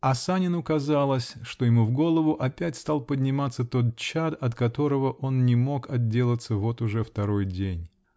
А Санину казалось, что ему в голову опять стал подниматься тот чад, от которого он не мог отделаться вот уже второй день.